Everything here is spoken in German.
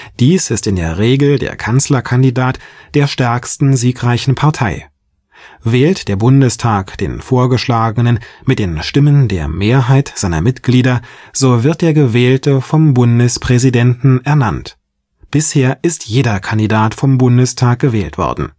Dies ist in der Regel der Kanzlerkandidat der stärksten siegreichen Partei. Wählt der Bundestag den Vorgeschlagenen mit den Stimmen der Mehrheit seiner Mitglieder, so wird der Gewählte vom Bundespräsidenten ernannt. Bisher ist jeder Kandidat vom Bundestag gewählt worden